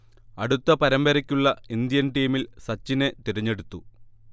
അടുത്ത പരമ്പരക്കുള്ള ഇന്ത്യൻ ടീമിൽ സച്ചിനെ തിരഞ്ഞെടുത്തു